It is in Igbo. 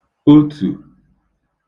otù